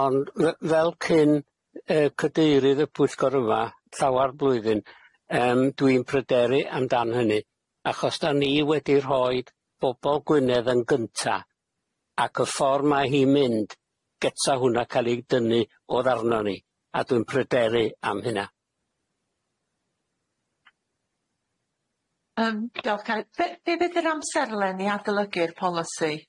Ond r- fel cyn yy cadeirydd y pwyllgor yma llawar blwyddyn yym dwi'n pryderu am dan hynny achos 'dan ni wedi rhoid bobol Gwynedd yn gynta ac y ffor ma' hi'n mynd geta hwnna ca'l i dynnu odd' arna ni a dwi'n pryderu am hynna. Yym diolch Cary- yy be' fydd yr amserlen i adolygu'r polisi,